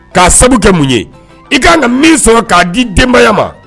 K'a sabu kɛ mun ye i k ka kan ka min sɔrɔ k'a di denbaya ma